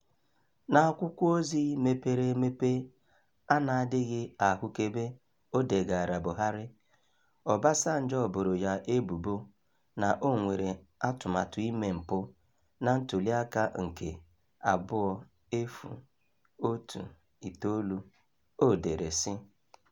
N'akwụkwọ ozi mepere emepe a na-adịghị ahụkebe o degaara Buhari, Obasanjo boro ya ebubo na o nwere atụmatụ ime mpụ na ntụliaka nke 2019. O dere, sị: